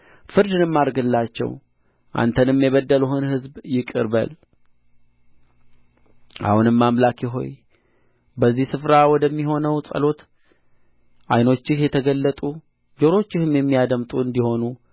ፍርድንም አድርግላቸው አንተንም የበደሉህን ሕዝብህን ይቅር በል አሁንም አምላኬ ሆይ በዚህ ስፍራ ወደሚሆነው ጸሎት ዓይኖችህ የተገለጡ ጆሮችህም የሚያደምጡ እንዲሆኑ